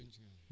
duñ ci génn